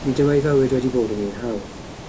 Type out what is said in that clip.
Nid yw ei fywyd wedi fod yn un hawdd,